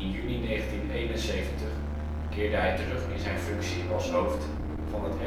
juni 1971 keerde hij terug in zijn functie als hoofd van het